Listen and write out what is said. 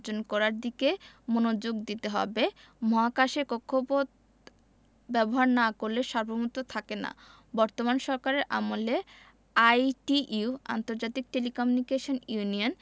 অর্জন করার দিকে মনোযোগ দিতে হবে মহাকাশের কক্ষপথ ব্যবহার না করলে সার্বভৌমত্ব থাকে না বর্তমান সরকারের আমলে আইটিইউ আন্তর্জাতিক টেলিকমিউনিকেশন ইউনিয়ন